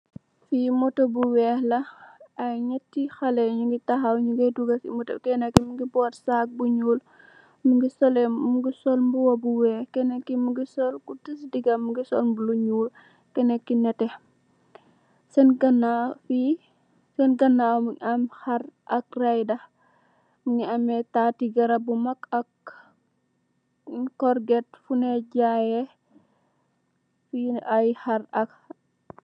Fi moto bu weex la ay nyetti haleh nyu ngi tahaw nyu ngeh duga ci moto bi kenaki mungi boot sac bu nyool mungi sol mbuba bu weex kenen ki mungi sol kusi diga mungi sol lu nyool kenen ki nete Sen ganaw fii Sen ganaw mungi am kharr ak rayda mungi ameh tati garap bu mak ak korget funyeh jaaye ay har ak